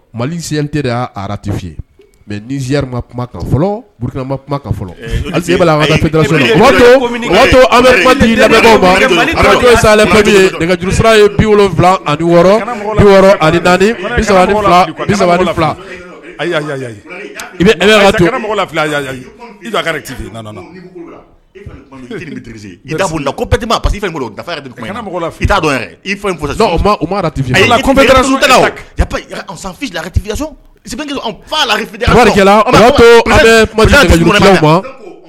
Mali de y arati mɛ bi ani wɔɔrɔ ani naanisa